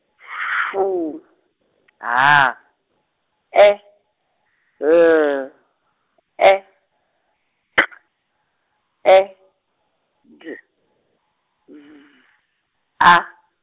F H E L E K E D Z A.